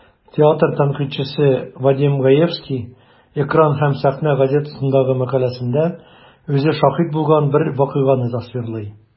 Театр тәнкыйтьчесе Вадим Гаевский "Экран һәм сәхнә" газетасындагы мәкаләсендә үзе шаһит булган бер вакыйганы тасвирлый.